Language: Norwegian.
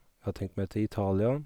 Jeg har tenkt meg til Italia.